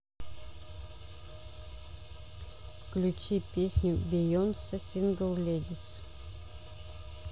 включи песню бейонсе сингл ледис